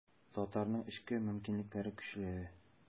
Татарның эчке мөмкинлекләре көчле.